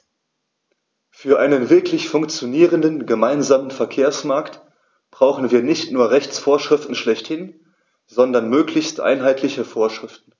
Für einen wirklich funktionierenden gemeinsamen Verkehrsmarkt brauchen wir nicht nur Rechtsvorschriften schlechthin, sondern möglichst einheitliche Vorschriften.